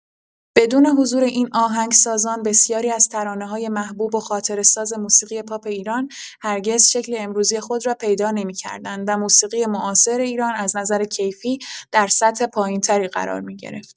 بدون حضور این آهنگسازان، بسیاری از ترانه‌های محبوب و خاطره‌ساز موسیقی پاپ ایران هرگز شکل امروزی خود را پیدا نمی‌کردند و موسیقی معاصر ایران از نظر کیفی در سطح پایین‌تری قرار می‌گرفت.